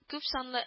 Күпсанлы